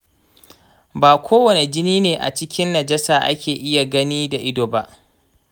ba kowani jini ne a cikin najasa ake iya gani da ido ba.